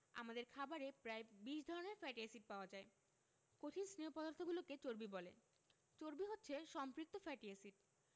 আমাদের খাবারে প্রায় ২০ ধরনের ফ্যাটি এসিড পাওয়া যায় কঠিন স্নেহ পদার্থগুলোকে চর্বি বলে চর্বি হচ্ছে সম্পৃক্ত ফ্যাটি এসিড